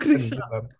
Grisial?